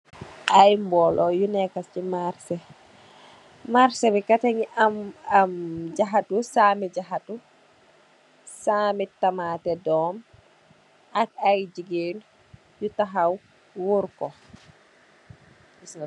ay boolo yu neka ci marche marche bi kat mingi am jahatou sammi jahatou sammi tamateh dom ak ay jigeen yu tahaw woor ko.